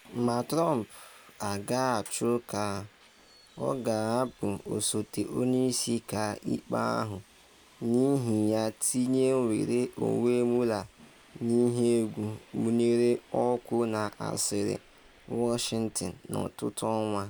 Ma Trump a ga-achụ ka ọ ga-ahapụ osote onye isi ọka ikpe ahụ, n’ihi ya tinye nnwere onwe Mueller n’ihe egwu, mụnyere ọkụ na asịrị Washington n’ọtụtụ ọnwa.